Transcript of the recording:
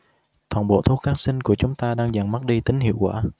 toàn bộ thuốc kháng sinh của chúng ta đang dần mất đi tính hiệu quả